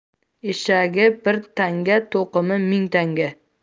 eshagi bir tanga to'qimi ming tanga